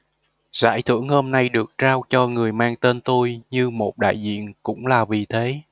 giải thưởng hôm nay được trao cho người mang tên tôi như một đại diện cũng là vì thế